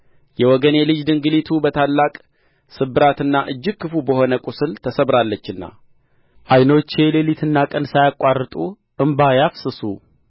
የወገኔ ልጅ ድንግሊቱ በታላቅ ስብራትና እጅግ ክፉ በሆነ ቍስል ተሰብራለችና ዓይኖቼ ሌሊትና ቀን ሳያቋርጡ እንባ ያፈሳሉ